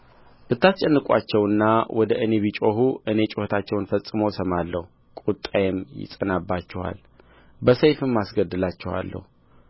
ብታስጨንቁአቸውና ወደ እኔ ቢጮኹ እኔ ጩኸታቸውን ፈጽሞ እሰማለሁ ቍጣዬም ይጸናባችኋል በሰይፍም አስገድላችኋለሁ